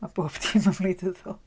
Mae bob dim yn wleidyddol.